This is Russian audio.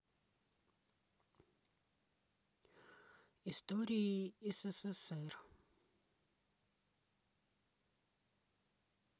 истории ссср